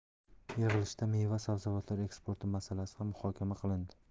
yig'ilishda meva sabzavotlar eksporti masalasi ham muhokama qilindi